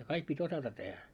ja kaikki piti osata tehdä